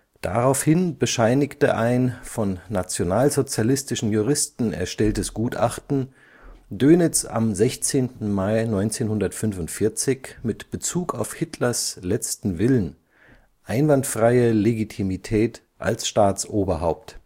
Daraufhin bescheinigte ein von nationalsozialistischen Juristen erstelltes Gutachten Dönitz am 16. Mai 1945 mit Bezug auf Hitlers letzten Willen „ einwandfreie Legitimität als Staatsoberhaupt